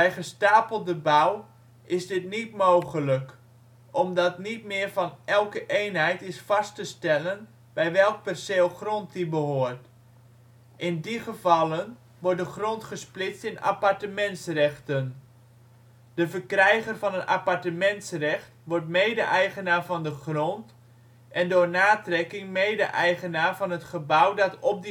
gestapelde bouw is dit niet mogelijk, omdat niet meer van elke eenheid is vast te stellen bij welk perceel grond die behoort. In die gevallen wordt de grond gesplitst in appartementsrechten. De verkrijger van een appartementsrecht wordt mede-eigenaar van de grond, en door natrekking mede-eigenaar van het gebouw dat op